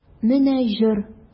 Менә җор!